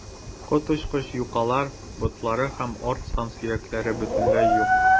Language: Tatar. Коточкыч юкалар, ботлары һәм арт сан сөякләре бөтенләй юк.